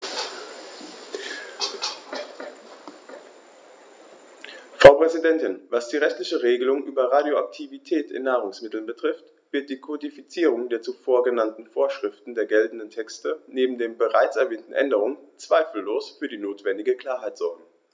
Frau Präsidentin, was die rechtlichen Regelungen über Radioaktivität in Nahrungsmitteln betrifft, wird die Kodifizierung der zuvor genannten Vorschriften der geltenden Texte neben den bereits erwähnten Änderungen zweifellos für die notwendige Klarheit sorgen.